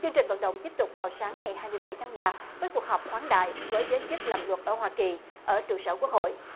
chương trình vận động tiếp tục vào sáng ngày hai mươi bảy tháng ba với cuộc họp khoáng đại với giới chức làm luật ở hoa kỳ ở trụ sở quốc hội